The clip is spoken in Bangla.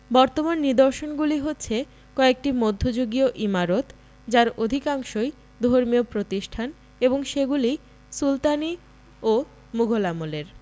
বর্তমান নিদর্শনগুলি হচ্ছে কয়েকটি মধ্যযুগীয় ইমারত যার অধিকাংশই ধর্মীয় প্রতিষ্ঠান এবং সেগুলি সুলতানি ও মুগল আমলের